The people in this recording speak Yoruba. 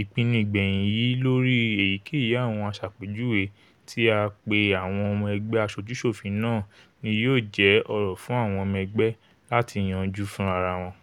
“Ìpinnu ìgbẹ̀yìn yìí lóri èyikẹ́yìí àwọn àṣàpèjúwe tí a pè àwọn Ọmọ Ẹgbẹ́ Aṣojú-ṣòfin náà ni yóò jẹ ọ̀rọ̀ fún àwọn ọmọ ẹgbẹ́ láti yanjú fúnrarawọn.”